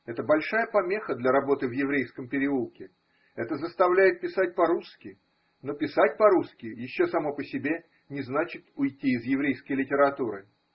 Это большая помеха для работы в еврейском переулке, это заставляет писать по-русски, но писать по-русски еще само по себе не значит уйти из еврейской литературы.